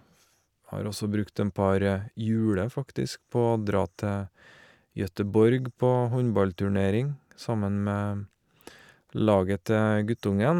Har også brukte en par juler faktisk, på å dra til Göteborg på håndballturnering sammen med laget til guttungen.